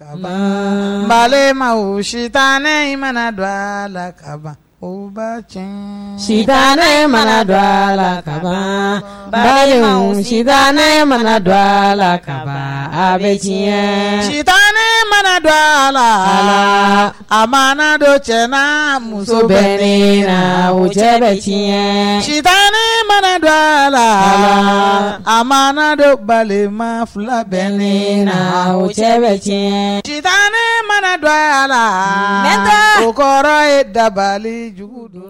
Balimama sita ne mana dɔ a la ka banba cɛ sita ne mana dɔ a la ka ba si ne mana dɔ a la ka bɛ sita ne mana dɔ a la a ma dɔ cɛ muso bɛ la cɛ sita ne mana dɔ a la a ma dɔ balima fila bɛ ne la wo cɛ bɛ tiɲɛ ci ne mana dɔ a la n kɔrɔ ye dabali jugu don la